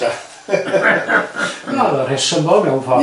na o'dd o'n rhesymol mewn ffordd wst ti?